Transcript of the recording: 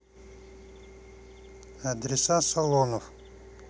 адреса салонов